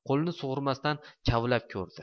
qo'lini sug'urmasdan kovlab ko'rdi